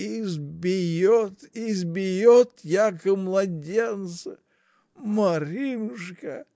— Избиет, избиет, яко младенца, Маринушка!